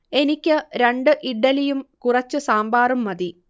എനിക്ക് രണ്ട് ഇഡ്ഢലിയും കുറച്ച് സാമ്പാറും മതി